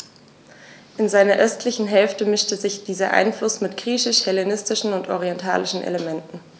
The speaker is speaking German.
In seiner östlichen Hälfte mischte sich dieser Einfluss mit griechisch-hellenistischen und orientalischen Elementen.